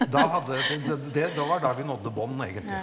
da hadde det det det da var da vi nådde bånn egentlig.